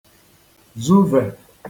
zuvè